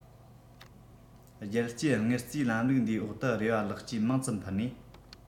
རྒྱལ སྤྱིའི དངུལ རྩའི ལམ ལུགས འདིའི འོག ཏུ རེ བ ལེགས སྐྱེས མང ཙམ ཕུལ ནས